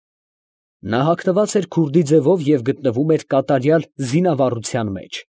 Նա հագնված էր քուրդի ձևով և գտնվում էր կատարյալ զինավառության մեջ։